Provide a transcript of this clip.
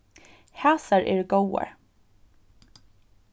hasar eru góðar